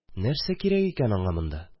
Нәрсә кирәк икән аңа монда?..